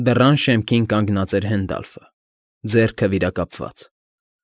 Դռան շեմքին կանգնած էր Հենդալֆը՝ ձեռքը վիրակապած։